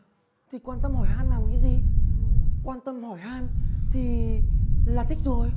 thì quan tâm hỏi han làm cái gì quan tâm hỏi han thì là thích rồi